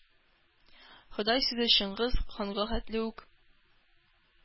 “ходай“ сүзе чыңгыз ханга хәтле үк